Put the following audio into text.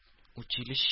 Училище